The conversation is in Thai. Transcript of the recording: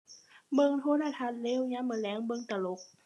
เบิ่งโทรทัศน์เร็วยามมื้อแลงเบิ่งตลก